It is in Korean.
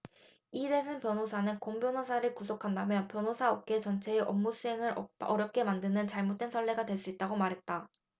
이대순 변호사는 권 변호사를 구속한다면 변호사업계 전체의 업무수행을 어렵게 만드는 잘못된 선례가 될 수 있다고 말했다